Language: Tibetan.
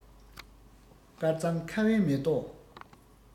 དཀར གཙང ཁ བའི མེ ཏོག